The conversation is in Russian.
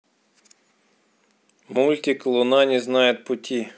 мультик луна не знает пути